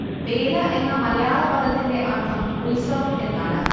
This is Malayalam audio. വേല എന്ന മലയാള പദത്തിന്റെ അര്ത്ഥം ഉത്സവം എന്നാണ്